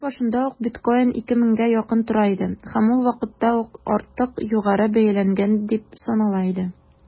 Ел башында ук биткоин 2 меңгә якын тора иде һәм ул вакытта ук артык югары бәяләнгән дип санала иде.